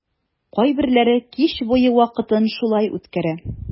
Кайберләре кич буе вакытын шулай үткәрә.